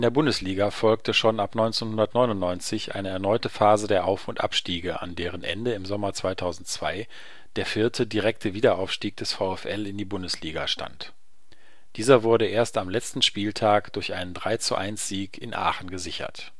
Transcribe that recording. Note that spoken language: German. Bundesliga folgte schon ab 1999 eine erneute Phase der Auf - und Abstiege, an deren Ende im Sommer 2002 der vierte direkte Wiederaufstieg des VfL in die Bundesliga stand. Dieser wurde erst am letzten Spieltag durch einen 3:1-Sieg in Aachen gesichert